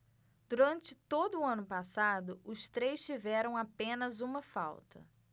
durante todo o ano passado os três tiveram apenas uma falta